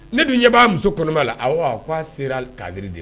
Ne dun ɲɛ b'a muso kɔnɔba la a ko' a sera kalibiri de ye